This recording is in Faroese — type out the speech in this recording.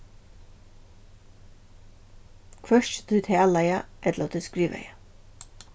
hvørki tí talaða ella tí skrivaða